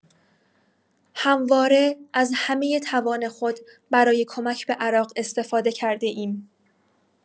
همواره از همه توان خود برای کمک به عراق استفاده کرده‌ایم.